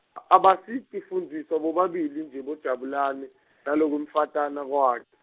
a- abasitifundziswa bobabili nje boJabulane, nalokwemfatana kwakhe.